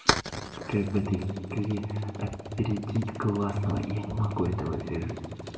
какая в этой игре опередить классного я не могу этого пережить